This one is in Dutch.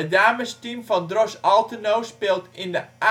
damesteam van Dros/Alterno speelt in de